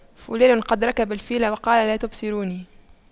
فلان قد ركب الفيل وقال لا تبصروني